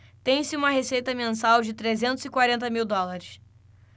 tem-se uma receita mensal de trezentos e quarenta mil dólares